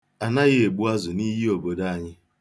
Anaghị egbu azụ n'iyi obodo anyị.